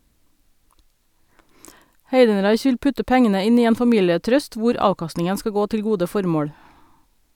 Heidenreich vil putte pengene inn i en familietrust, hvor avkastningen skal gå til gode formål.